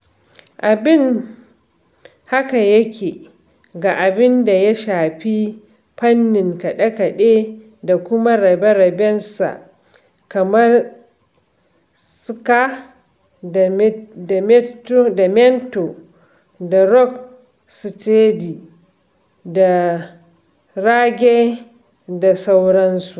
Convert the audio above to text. Abin haka yake ga abin da ya shafi fannin kaɗe-kaɗe da kuma rabe-rabensa kamar Ska da Mento da Rock Steady da Raggae da sauransu.